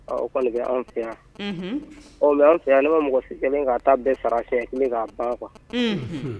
O o kɔni bɛ an fɛ yan, unhun .Ɔ, mais an fɛ yan ne mɔgɔ si kɛlen ye ka taa bɛɛ sara k'a ban siɲɛn kelen quoi ,unhun